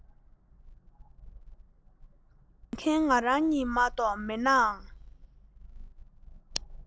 ཉན མཁན ང རང ཉིད མ གཏོགས མེད ནའང